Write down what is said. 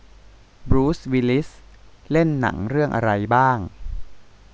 บรูซวิลลิสเล่นหนังเรื่องอะไรบ้าง